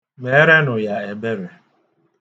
Meerenụ ya ebere.